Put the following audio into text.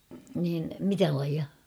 niin mitä lajia